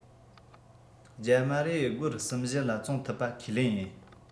རྒྱ མ རེར གོར གསུམ བཞི ལ བཙོངས ཐུབ པ ཁས ལེན ཡིན